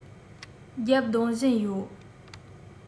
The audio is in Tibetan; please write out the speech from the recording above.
བརྒྱབ རྡུང བཞིན ཡོད